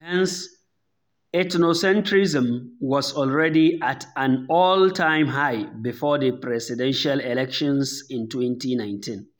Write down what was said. Hence, ethnocentrism was already at an all-time high before the presidential elections in 2019.